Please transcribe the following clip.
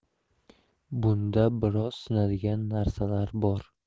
bunda biroz sinadigan narsalar bor